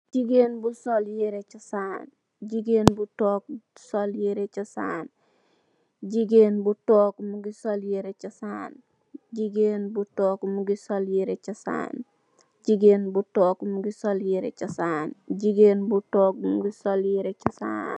Jiguen bou tok mou gui sol yerre chossan